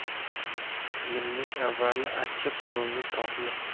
limning avvali achchiq so'ngi totli